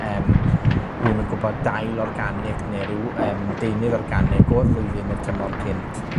yym, wi 'im yn gwbod, dail organic, ne' ryw, yym, deunydd organic o'r flwyddyn ne'r tymor cynt